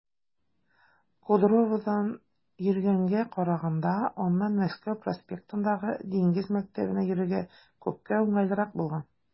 Кудроводан йөргәнгә караганда аннан Мәскәү проспектындагы Диңгез мәктәбенә йөрергә күпкә уңайлырак булган.